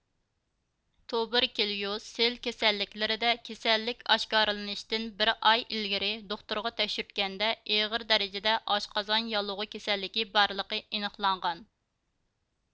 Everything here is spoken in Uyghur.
توبىركېليۇز سىل كېسەللىكلىرىدە كېسەللىك ئاشكارىلىنىشتىن بىر ئاي ئىلگىرى دوختۇرغا تەكشۈرتكەندە ئېغىر دەرىجىدە ئاشقازان ياللوغى كېسەللىكى بارلىقى ئېنىقلانغان